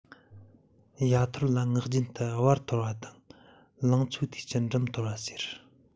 ཡ ཐོར ལ ངག རྒྱུན དུ བད ཐོར བ དང ལང ཚོའི དུས ཀྱི འབྲུམ ཐོར བ ཟེར